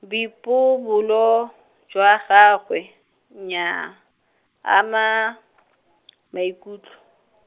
Boipobolo jwa gagwe, nyaa, ama , maikutlo.